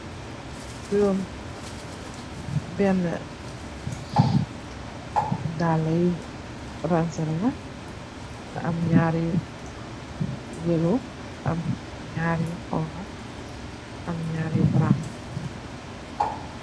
Jurom benni dalla yun ranseleh ñaari yu yellow ñaar yu xonxa ñaar yu brown.